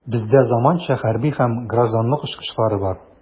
Бездә заманча хәрби һәм гражданлык очкычлары бар.